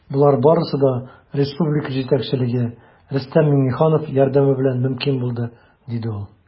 Болар барысы да республика җитәкчелеге, Рөстәм Миңнеханов, ярдәме белән мөмкин булды, - диде ул.